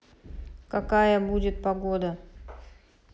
какая будет погода